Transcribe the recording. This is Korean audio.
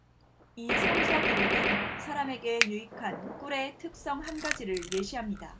이 성서 기록은 사람에게 유익한 꿀의 특성 한 가지를 예시합니다